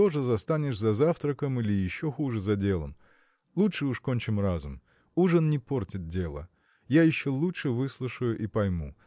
тоже застанешь за завтраком или еще хуже – за делом. Лучше уж кончим разом. Ужин не портит дела. Я еще лучше выслушаю и пойму.